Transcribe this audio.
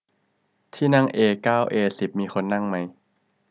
ที่นั่งเอเก้าเอสิบมีคนนั่งมั้ย